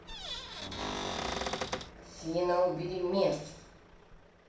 афина убери мерч